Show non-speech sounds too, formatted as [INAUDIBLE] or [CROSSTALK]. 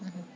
[HESITATION] [HESITATION]